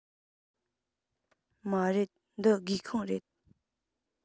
མ རེད འདི སྒེའུ ཁུང རེད